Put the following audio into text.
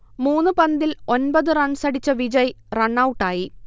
മൂന്നു പന്തിൽ ഒൻപത് റൺസടിച്ച വിജയ് റൺഔട്ടായി